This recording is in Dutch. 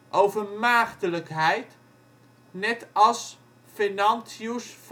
over maagdelijkheid, net als Venantius